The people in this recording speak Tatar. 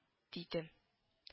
Дидем